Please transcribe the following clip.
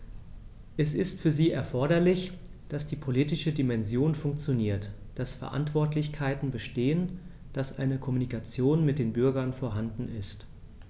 Es ist für sie erforderlich, dass die politische Dimension funktioniert, dass Verantwortlichkeiten bestehen, dass eine Kommunikation mit den Bürgern vorhanden ist.